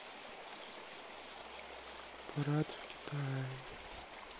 парад в китае